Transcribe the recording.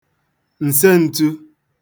ǹsen̄tū